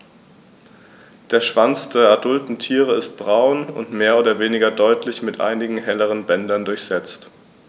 Der Schwanz der adulten Tiere ist braun und mehr oder weniger deutlich mit einigen helleren Bändern durchsetzt.